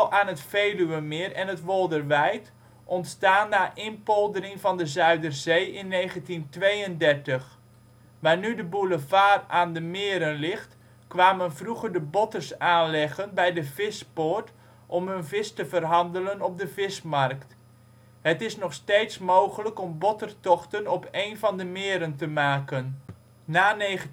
aan het Veluwemeer en het Wolderwijd, ontstaan na inpoldering van de Zuiderzee in 1932. Waar nu de boulevard aan de meren ligt, kwamen vroeger de botters aanleggen bij de Vischpoort om hun vis te verhandelen op de Vischmarkt. Het is nog steeds mogelijk om bottertochten op een van de meren te maken. Na 1932